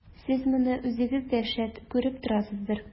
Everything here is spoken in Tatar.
Сез моны үзегез дә, шәт, күреп торасыздыр.